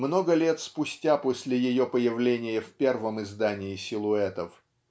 много лет спустя после ее появления в первом издании "Силуэтов".